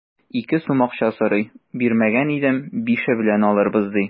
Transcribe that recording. Ике сум акча сорый, бирмәгән идем, бише белән алырбыз, ди.